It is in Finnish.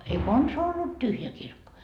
ei konsaan ollut tyhjä kirkko